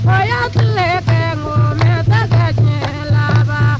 a y'a tile kɛ nk'o mɛ se ka diɲɛ laban